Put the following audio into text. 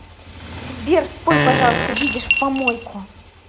сбер спой пожалуйста видишь в помойку